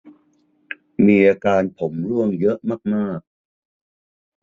มีอาการผมร่วงเยอะมากมาก